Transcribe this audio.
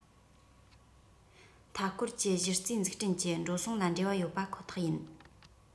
མཐའ སྐོར གྱི གཞི རྩའི འཛུགས སྐྲུན གྱི འགྲོ སོང ལ འབྲེལ བ ཡོད པ ཁོ ཐག ཡིན